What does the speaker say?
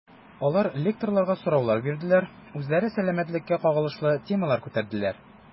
Алар лекторларга сораулар бирделәр, үзләре сәламәтлеккә кагылышлы темалар күтәрделәр.